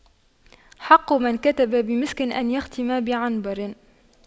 حق من كتب بمسك أن يختم بعنبر